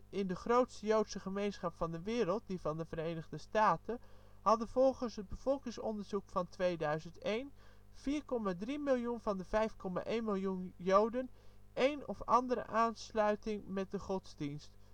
in de grootste joodse gemeenschap van de wereld, die van de Verenigde Staten, hadden volgens het bevolkingsonderzoek van 2001 (), 4,3 miljoen van de 5,1 miljoen joden één of andere aansluiting met de godsdienst